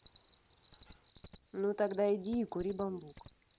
ну тогда иди и кури бамбук